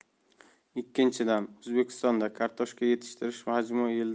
ikkinchidan o'zbekistonda kartoshka yetishtirish hajmi yildan